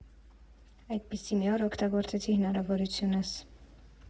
Այդպիսի մի օր օգտագործեցի հնարավորությունս։